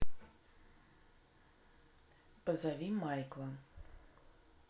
позови майкла